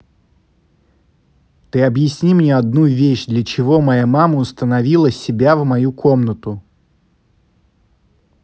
ты объясни мне одну вещь для чего моя мама установила себя в мою комнату